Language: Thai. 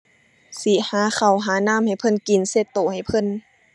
สิหาข้าวหาน้ำให้เพิ่นกิน เช็ดเช็ดให้เพิ่น